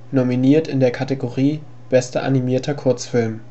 nominiert in der Kategorie „ Bester animierter Kurzfilm